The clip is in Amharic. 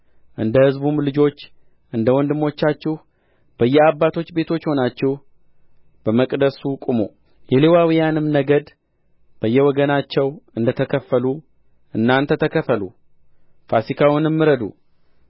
እንደ ሕዝቡም ልጆች እንደ ወንድሞቻችሁ በየአባቶች ቤቶች ሆናችሁ በመቅደሱ ቁሙ የሌዋውያንም ነገድ በየወገናቸው እንደ ተከፈሉ እናንተ ተከፈሉ ፋሲካውንም እረዱ